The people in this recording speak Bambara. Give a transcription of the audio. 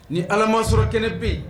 Ni Ala mansɔrɔ tɛnɛ be yen